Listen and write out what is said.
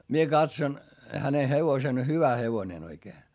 minä katsoin hänen hevosen hyvä hevonen oikein